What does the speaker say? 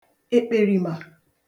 èkpèrìmà